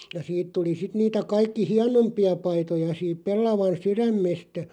ja siitä tuli sitten niitä kaikki hienompia paitoja siitä pellavan sydämestä